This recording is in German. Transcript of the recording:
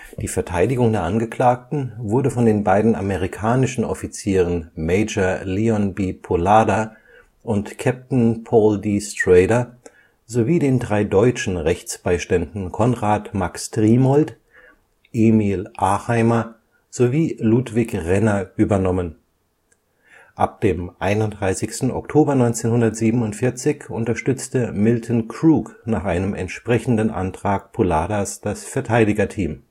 Die Verteidigung der Angeklagten wurde von den beiden amerikanischen Offizieren Major Leon B. Poullada und Capt. Paul D. Strader sowie den drei deutschen Rechtsbeiständen Konrad Max Trimolt, Emil Aheimer sowie Ludwig Renner übernommen. Ab dem 31. Oktober 1947 unterstützte Milton Crook nach einem entsprechenden Antrag Poulladas das Verteidigerteam